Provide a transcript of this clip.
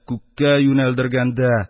Күккә юнәлдергәндә